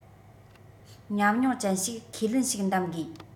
ཉམས མྱོང ཅན ཞིག ཁས ལེན ཞིག གདམ དགོས